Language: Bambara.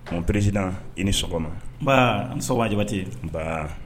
Pere i ni sɔgɔma nba basɔ jabate ba